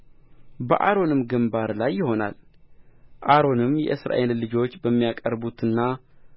በአሮንም ግምባር ላይ ይሆናል አሮንም የእስራኤል ልጆች በሚያቀርቡትና